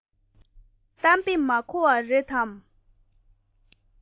གཏམ དཔེ མ གོ བ རེད དམ